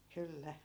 kyllä